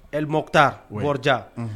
Alimuyitaɔrja